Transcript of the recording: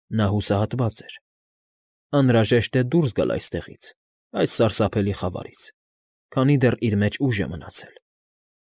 Նա հուսահատված էր։ Անհրաժեշտ է դուրս գալ այստեղից, այս սարսափելի խավարից, քանի դեռ իր մեջ ուժ է մնացել։